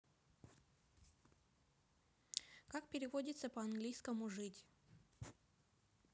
как переводится по английскому жить